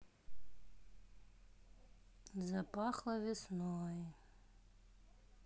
запахло весной